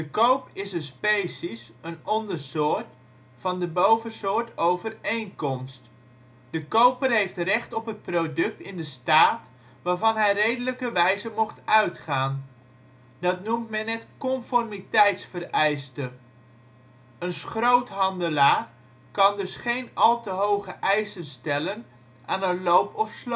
koop is een species, een ondersoort, van de bovensoort overeenkomst. De koper heeft recht op het product in de staat, waarvan hij redelijkerwijze mocht uitgaan. Dat noemt men het conformiteitsvereiste. Een schroothandelaar kan dus geen al te hoge eisen stellen aan een loop/sloopauto